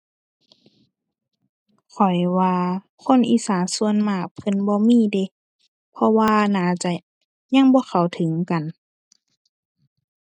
ข้อยว่าคนอีสานส่วนมากเพิ่นบ่มีเดะ เพราะว่าน่าจะยังบ่เข้าถึงกัน